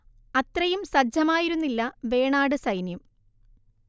അത്രയും സജ്ജമായിരുന്നില്ല വേണാട് സൈന്യം